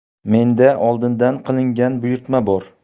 mendan oldindan qilingan buyurtma bor